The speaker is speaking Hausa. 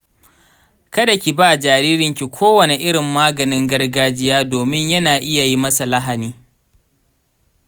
kada ki ba jaririnki kowane irin maganin gargajiya domin yana iya yi masa lahani